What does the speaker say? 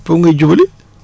foofu nga jubali